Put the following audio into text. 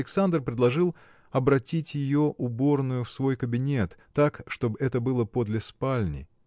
Александр предложил обратить ее уборную в свой кабинет так чтоб это было подле спальни.